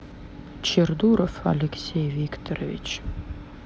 чардуров алексей викторович